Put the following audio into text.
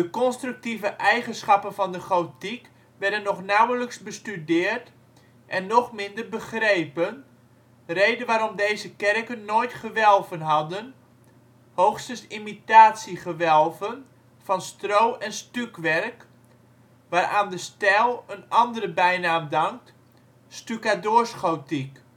constructieve eigenschappen van de gotiek werden nog nauwelijks bestudeerd en nog minder begrepen, reden waarom deze kerken nooit gewelven hadden, hoogstens imitatiegewelven van stro en stucwerk, waaraan de stijl een andere bijnaam dankt, stukadoorsgotiek